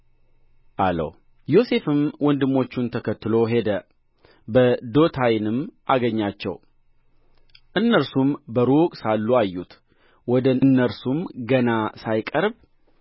አለው ዮሴፍም ወንድሞቹን ተከታትሎ ሄደ በዶታይንም አገኛቸው እነርሱም በሩቅ ሳለ አዩት ወደ እነርሱም ገና ሳይቀርብ